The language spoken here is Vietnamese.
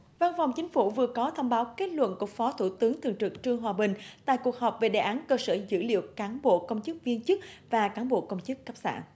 văn phòng chính phủ vừa có thông báo kết luận của phó thủ tướng thường trực trương hòa bình tại cuộc họp về đề án cơ sở dữ liệu cán bộ công chức viên chức và cán bộ công chức cấp xã